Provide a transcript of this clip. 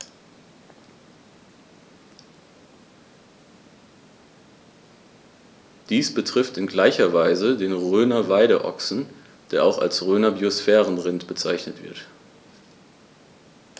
Dies betrifft in gleicher Weise den Rhöner Weideochsen, der auch als Rhöner Biosphärenrind bezeichnet wird.